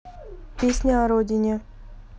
песня о родине